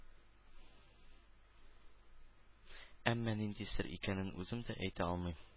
Әмма нинди сер икәнен үзем дә әйтә алмыйм